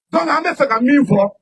Tɔn an bɛ fɛ ka min fɔ